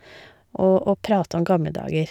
Og å prate om gamle dager.